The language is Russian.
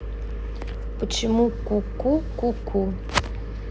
почему куку куку